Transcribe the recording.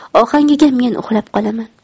ohangiga men uxlab qolaman